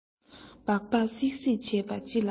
སྦག སྦག གསིག གསིག བྱས པས ཅི ལ ཕན